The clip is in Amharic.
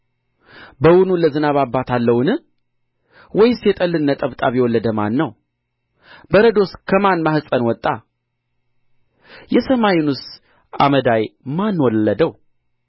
በውኑ ለዝናብ አባት አለውን ወይስ የጠልን ነጠብጣብ የወለደ ማን ነው በረዶስ ከማን ማኅፀን ወጣ የሰማዩንስ አመዳይ ማን ወለደው